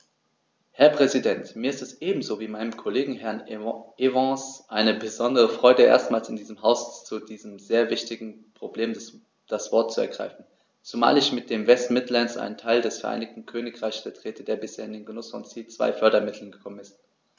Herr Präsident, mir ist es ebenso wie meinem Kollegen Herrn Evans eine besondere Freude, erstmals in diesem Haus zu diesem sehr wichtigen Problem das Wort zu ergreifen, zumal ich mit den West Midlands einen Teil des Vereinigten Königreichs vertrete, der bisher in den Genuß von Ziel-2-Fördermitteln gekommen ist.